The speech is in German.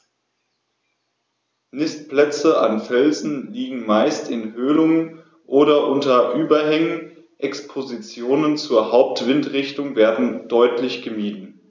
Nistplätze an Felsen liegen meist in Höhlungen oder unter Überhängen, Expositionen zur Hauptwindrichtung werden deutlich gemieden.